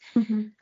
Mhm.